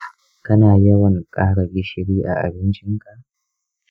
kana yawan ƙara gishiri a abincinka?